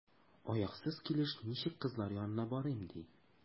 Аяксыз килеш ничек кызлар янына барыйм, ди?